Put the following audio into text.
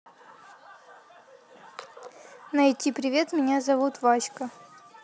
найти привет меня зовут васька